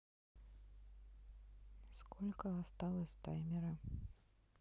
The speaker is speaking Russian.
сколько осталось таймера